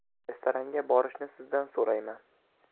restaranga borishni sizdan so'rayman